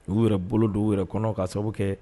U'u yɛrɛ bolo dɔw yɛrɛ kɔnɔ ka sababu kɛ